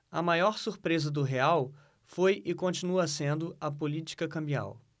a maior surpresa do real foi e continua sendo a política cambial